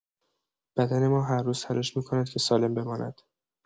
بدن ما هر روز تلاش می‌کند که سالم بماند؛